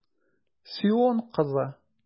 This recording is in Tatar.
Сион кызы!